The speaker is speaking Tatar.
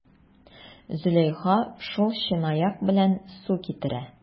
Зөләйха шул чынаяк белән су китерә.